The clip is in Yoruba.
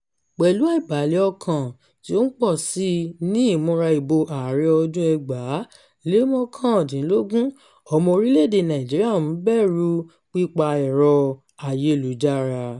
Pẹ̀lú àìbalẹ̀-ọkàn tí ó ń pọ̀ sí i ní ìmúra ìbò ààrẹ ọdún-un 2019, Ọmọ orílẹ̀-èdè Nàìjíríà ń bẹ̀rùu pípa ẹ̀rọ-ayélujára